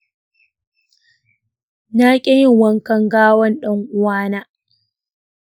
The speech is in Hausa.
naki yin wankan gawan dan'uwana